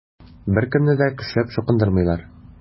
Беркемне дә көчләп чукындырмыйлар.